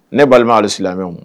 Ne balima hali silamɛmɛ